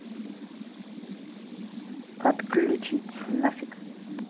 отключить нафиг